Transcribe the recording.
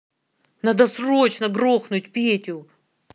надо срочно грохнуть петю